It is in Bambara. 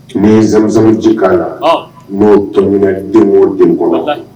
N zansa ji k'a la n'o tɔm den o denw kɔnɔ